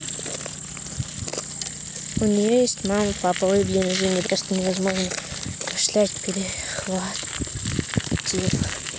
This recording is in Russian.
у нее есть мама папа ой блин извини просто немножко кашлять перехватил